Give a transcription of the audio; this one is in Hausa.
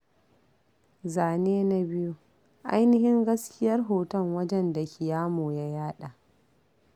Zane na 2: Ainihin gaskiyar hoton wajen da Keyamo ya yaɗa.